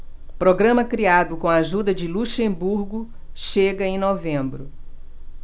programa criado com a ajuda de luxemburgo chega em novembro